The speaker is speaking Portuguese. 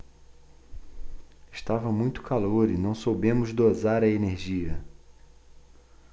estava muito calor e não soubemos dosar a energia